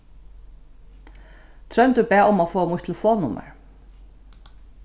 tróndur bað um at fáa mítt telefonnummar